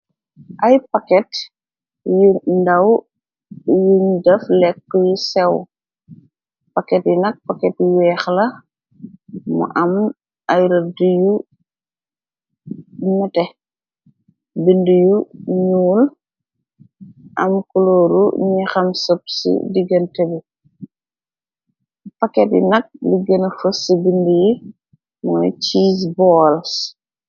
Ay pakket, yu ndaw yuñ def lekk yu sew, pakket yi nak pakket yu weex la, mu am ay rëdd yu mute, bind yu ñuul, am kulooru ñi xam sëb ci digantebi, pakket yi nak, liggëna fës ci bind yi mooy ciise bols.